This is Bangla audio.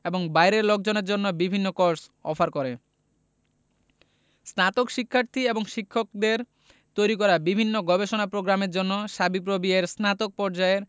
এবং বাইরের লোকজনের জন্য বিভিন্ন কোর্স অফার করে স্নাতক শিক্ষার্থী এবং শিক্ষকদের তৈরি করা বিভিন্ন গবেষণা প্রোগ্রামের জন্য সাবিপ্রবি এর স্নাতক পর্যায়ের